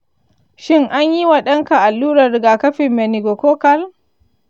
shin an yi wa ɗanka allurar rigakafin meningococcal?